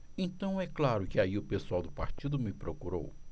então é claro que aí o pessoal do partido me procurou